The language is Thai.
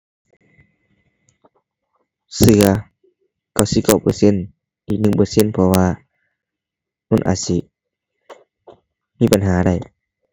เชื่อ เก้าสิบเก้าเปอร์เซ็นต์ อีกหนึ่งเปอร์เซ็นต์เพราะว่ามันอาจสิมีปัญหาได้